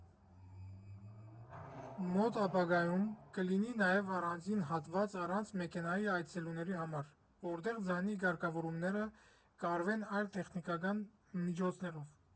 Մոտ ապագայում կլինի նաև առանձին հատված առանց մեքենայի այցելուների համար, որտեղ ձայնի կարգավորումները կարվեն այլ տեխնիկական միջոցներով։